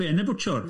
Be' yn y bwtsiwr?